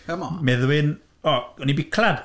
C'mon... Meddwyn... O, gawn ni biclad?